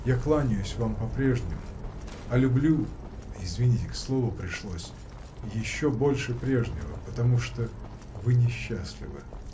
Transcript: Я кланяюсь вам по-прежнему, а люблю — извините, к слову пришлось, — еще больше прежнего, потому что. вы несчастливы.